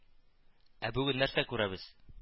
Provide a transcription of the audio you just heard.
Ә бүген нәрсә күрәбез